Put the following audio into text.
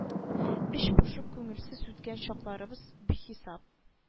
Эч пошып күңелсез үткән чакларыбыз бихисап